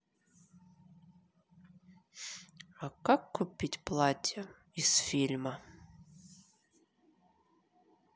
а как купить платье из фильма